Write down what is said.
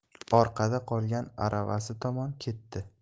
orqada qolgan aravasi tomon ketdi